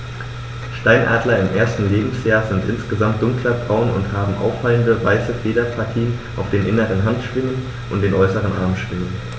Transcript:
Steinadler im ersten Lebensjahr sind insgesamt dunkler braun und haben auffallende, weiße Federpartien auf den inneren Handschwingen und den äußeren Armschwingen.